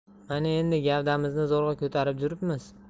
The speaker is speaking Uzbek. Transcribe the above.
mana endi gavdamizni zo'rg'a ko'tarib juribmiz